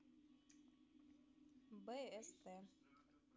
бст